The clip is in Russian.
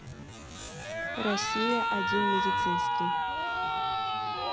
россия один медицинский